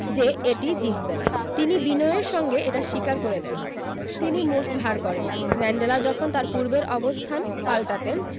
যে এটি জিতবে না তিনি বিনয়ের সঙ্গে এটা স্বীকার করে নেন তিনি মুখ ভার করেননি ম্যান্ডেলা যখন তাঁর পূর্বের অবস্থান পাল্টাতেন